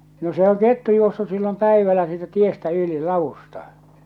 no se on kettu juossut silloin päivällä siitä tiestä yli ladusta